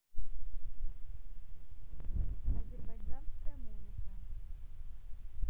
азербайджанская музыка